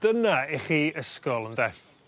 Dyna i chi ysgol ynde?